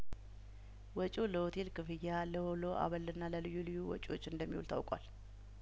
ወጪው ለሆቴል ክፍያ ለወሎ አበልና ለልዩ ልዩ ወጪዎች እንደሚውል ታውቋል